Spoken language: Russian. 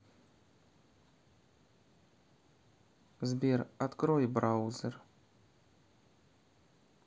сбер открой браузер